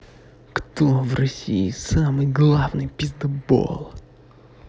кто в россии самый главный пиздобол